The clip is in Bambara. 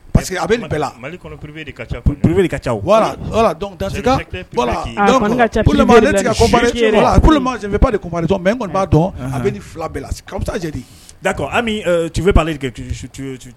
Parce quesekea dɔn fila tufeale